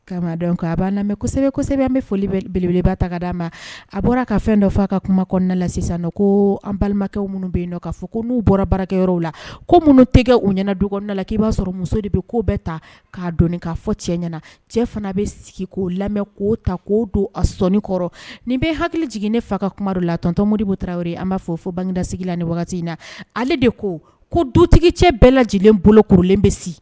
Kama ko a'asɛbɛ n bɛ folieleba ta d a ma a bɔra ka fɛn dɔ' a ka kuma kɔnɔna la sisan ko an balimakɛw minnu bɛ yen k'a fɔ ko n'u bɔra baarakɛyɔrɔw la ko minnu tɛgɛ u ɲɛna la k ii b'a sɔrɔ muso de bɛ ko bɛ ta k'a dɔni k'a fɔ cɛ ɲɛna cɛ fana bɛ sigi'o lamɛn ko ta k'o don a sɔnɔni kɔrɔ nin bɛ hakili jigin ne fa ka kumaru la tɔntɔnonmodibo taraweleraw an b'a fɔ bangedasigi la ni wagati in na ale de ko ko dutigi cɛ bɛɛ lajɛlen bolokorolen bɛ si